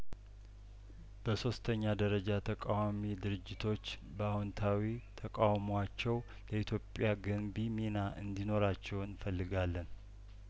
በሶስተኛ ደረጃ ተቃዋሚ ድርጅቶች በአዎንታዊ ተቃውሟቸው ለኢትዮጵያ ገንቢ ሚና እንዲኖራቸው እንፈልጋለን